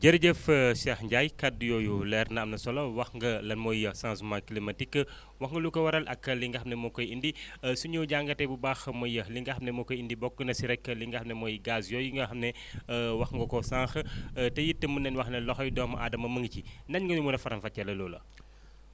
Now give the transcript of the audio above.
jërëjëf Cheikh Ndiaye kaddu yooyu leer na am na solo wax nga lan mooy changement climatique wax nga lu ko waral ak li nga xam ne moo koy indi suñu jàngatee bu baax muy li nga xam ne moo koy indi bokk na si rek li nga xam ne mooy gaz yooyu nga xam ne wax nga ko sànq te it mun nañu wax ne loxoy doomu aadama mu ngi si nan nga ñu mun a faram-fàccelee loola